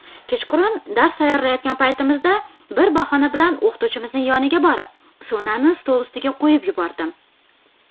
kechqurun dars tayyorlayotgan paytimizda bir bahona bilan o'qituvchimizning yoniga borib so'nani stol ustiga qo'yib yubordim